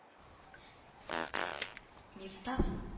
Мифтаф